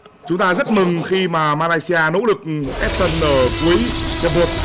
chúng ta rất mừng khi mà ma lai si a nỗ lực ép sân ở cuối hiệp một